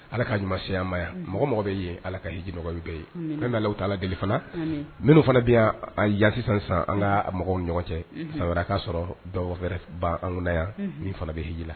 Ala ka ɲuman seya ma yan mɔgɔ mɔgɔ bɛ ye ala ka' jinɛ bɛ ye ne na' la deli fana minnu fana bɛ yaa sisan san an ka mɔgɔw ɲɔgɔn cɛ k'a sɔrɔ dɔw wɛrɛ ban an kunna yan ni fana bɛ hji la